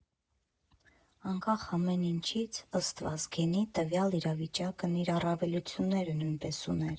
Անկախ ամեն ինչից, ըստ Վազգենի, տվյալ իրավիճակն իր առավելությունները նույնպես ուներ։